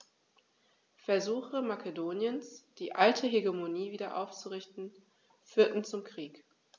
Versuche Makedoniens, die alte Hegemonie wieder aufzurichten, führten zum Krieg.